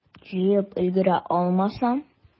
Җыеп өлгерә алмасам?